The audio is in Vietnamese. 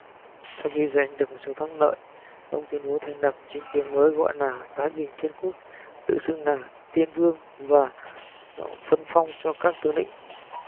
sau khi giành được một số thắng lợi ông tuyến bố thành lập chính quyền mới gọi là thái bình thiên quốc tự xưng là thiên vương và phân phong cho các tướng lĩnh